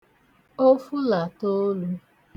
ofu là toolū